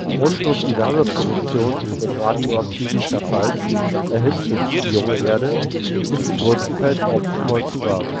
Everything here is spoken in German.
und durch die Wärmeproduktion des radioaktiven Zerfalls erhitzte sich die junge Erde, bis sie größtenteils aufgeschmolzen war